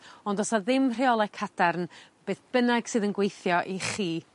Ond do's 'na ddim rheole cadarn beth bynnag sydd yn gweithio i chi.